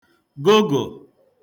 gụgụ̀